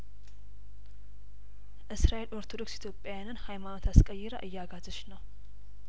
እስራኤል ኦርቶዶክስ ኢትዮጵያንን ሀይማኖት አስቀይራ እያጋዛች ነው